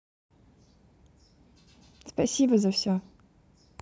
спасибо за все